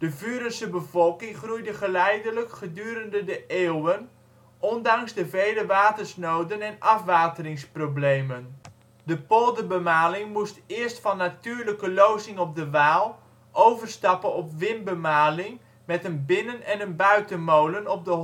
Vurense bevolking groeide geleidelijk gedurende de eeuwen, ondanks de vele watersnoden en afwateringsproblemen. De polderbemaling moest eerst van natuurlijke lozing op de Waal overstappen op windbemaling met een binnen - en een buitenmolen op de